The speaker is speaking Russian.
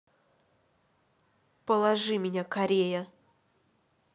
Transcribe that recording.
положи меня корея